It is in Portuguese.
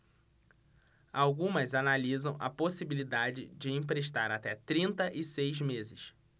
algumas analisam a possibilidade de emprestar até trinta e seis meses